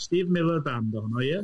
Steve Miller band o'dd hono, ie?